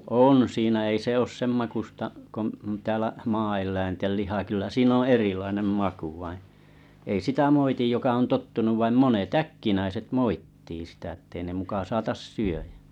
on siinä ei se ole sen makuista kuin täällä maaeläinten liha kyllä siinä on erilainen maku vain ei sitä moiti joka on tottunut vaan monet äkkinäiset moittii sitä että ei ne muka saata syödä